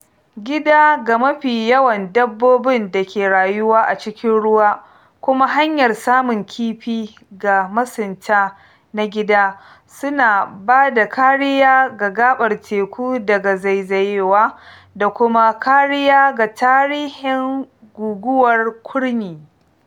Gida ga mafi yawan dabbobin da ke rayuwa a cikin ruwa (kuma hanyar samun kifi ga masunta na gida), suna ba da kariya ga gaɓar teku daga zaizayewa da kuma kariya ga tasirin guguwar kurmi.